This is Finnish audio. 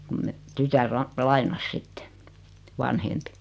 kun me tytär - lainasi sitten vanhempi